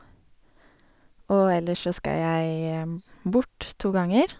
Og ellers så skal jeg bort to ganger.